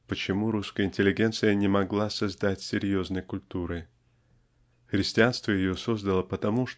почему русская интеллигенция не могла создать серьезной культуры. Христианство ее создало потому